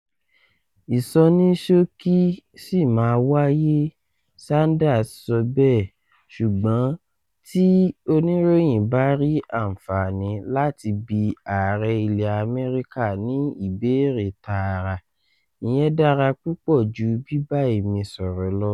Ìsọnísókí sì máa wáyé, Sanders sọ bẹ́ẹ̀, ṣùgbọ́n “tí oníròyìn bá rí àǹfààní láti bi ààrẹ ilẹ̀ Amẹ́ríkà ní ìbéèrè tààràtà, ìyẹn dára púpọ̀ jú bíbá èmi sọ̀rọ̀ lọ.